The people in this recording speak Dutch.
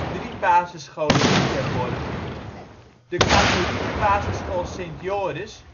drie basisscholen in Terborg. De katholieke basisschool Sint Joris